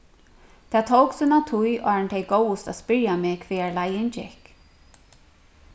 tað tók sína tíð áðrenn tey góvust at spyrja meg hvagar leiðin gekk